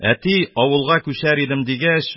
Әти, авылга күчәр идем, дигәч,